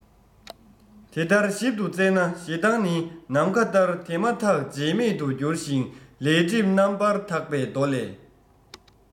དེ ལྟར ཞིབ ཏུ བཙལ ན ཞེ སྡང ནི ནམ མཁའ ལྟར དེ མ ཐག རྗེས མེད དུ འགྱུར ཞིང ལས སྒྲིབ རྣམ པར དག པའི མདོ ལས